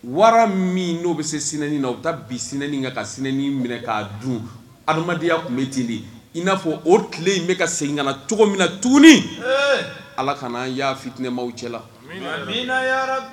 Wara min n'o bɛ se sinɛni na o ka bi sinɛni kan ka sinɛni minɛ k'a dun adamadenya kun be ten de i n'a fɔ o tile in bɛ ka segin kana cogo min na tugunii eee Ala kan'an y'a fitinɛmaw cɛla amiina yarabi amina yarab